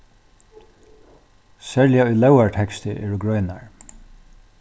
serliga í lógarteksti eru greinar